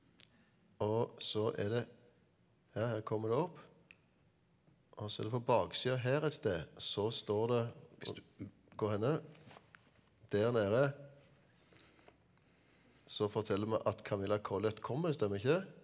og så er det ja her kommer det opp og så er det på baksida her et sted så står det hvor hen der nede så forteller vi at Camilla Collett kommer, stemmer ikke det?